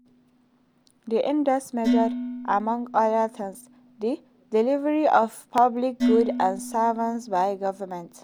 The index measured, among other things, the delivery of public goods and services by government.